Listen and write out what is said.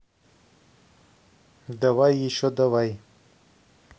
давай еще дай